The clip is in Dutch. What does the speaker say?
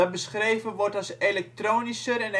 beschreven wordt als elektronischer en